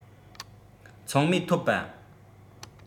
ཚང མས འཐོབ པ